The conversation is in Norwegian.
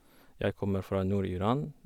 Jeg kommer fra Nord-Iran.